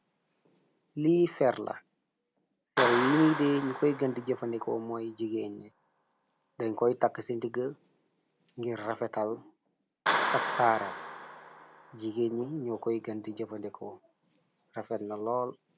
Lii ferla feer wini dee ñu koy ganti jëfandeko mooy jigeen ñi dañ koy tàkk ci ndiga ngir rafetal ak taaral jigeeñ ñi ñoo koy ganti jëfandekoo rafetna lool.